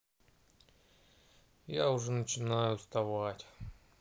я уже начинаю уставать